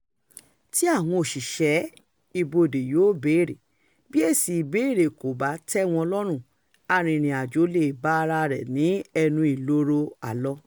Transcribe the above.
tí àwọn òṣìṣẹ́ ibodè yóò béèrè, bí èsì ìbéèrè kò bá tẹ́ wọn lọ́rùn, arìnrìn-àjó lè bá ara rẹ̀ ní ẹnu ìloro àlọ.